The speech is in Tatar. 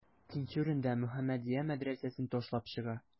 Тинчурин да «Мөхәммәдия» мәдрәсәсен ташлап чыга.